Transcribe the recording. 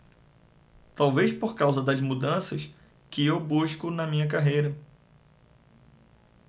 talvez por causa das mudanças que eu busco na minha carreira